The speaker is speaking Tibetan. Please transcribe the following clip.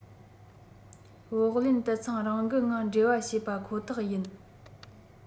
བོགས ལེན དུད ཚང རང འགུལ ངང འབྲེལ བ བྱེད པ ཁོ ཐག ཡིན